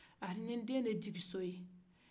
arni den de ye jigiso ye